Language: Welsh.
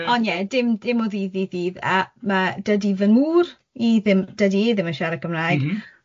Ond ie, dim dim o ddydd i ddydd, a ma' ... Dydy fy ngŵr i ddim... Dydy e ddim yn siarad Cymraeg... M-hm.